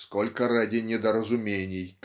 сколько ради недоразумений